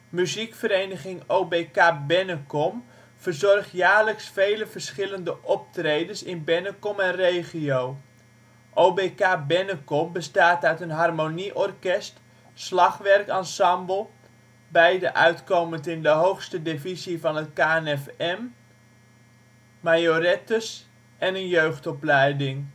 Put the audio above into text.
Muziekvereniging OBK Bennekom verzorgt jaarlijks vele verschillende optredens in Bennekom en regio. OBK Bennekom bestaat uit een harmonie orkest, slagwerkensemble (beide uitkomend in de hoogste divisie van de KNFM), majorettes en jeugdopleiding